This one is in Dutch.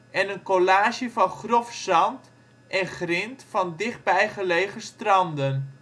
en een collage van grof zand en grind van dichtbij gelegen stranden